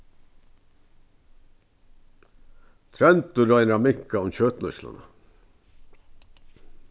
tróndur roynir at minka um kjøtnýtsluna